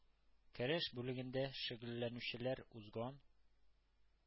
Көрәш бүлегендә шөгыльләнүчеләр узган